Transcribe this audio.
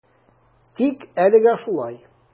Тик әлегә шулай.